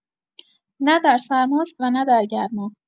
نه در سرماست و نه در گرما.